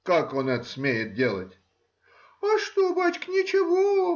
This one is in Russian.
Как он это смеет делать? — А что, бачка? ничего